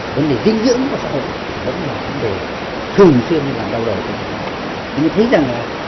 vấn đề dinh dưỡng của xã hội vẫn là vấn đề thường xuyên làm đau đầu các nhà lãnh đạo thì mới thấy rằng là